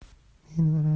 men vrachman dedi